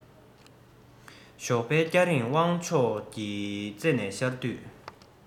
ཞོགས པའི སྐྱ རེངས དབང ཕྱོགས ཀྱི རི རྩེ ནས ཤར དུས